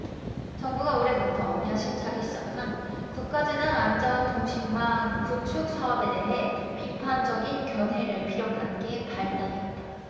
정부가 올해부터 야심차게 시작한 국가재난안전통신망 구축사업에 대해 비판적인 견해를 피력한 게 발단이었다